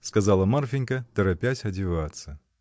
— сказала Марфинька, торопясь одеваться.